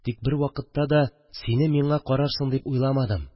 Тик бервакытта да сине миңа карарсың дип уйламадым